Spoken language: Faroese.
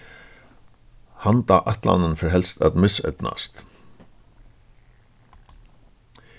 handa ætlanin fer helst at miseydnast